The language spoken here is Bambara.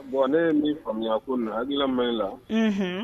Bon ne ye ni faamuya ko na akimala